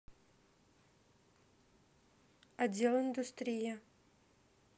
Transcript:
отдел индустрия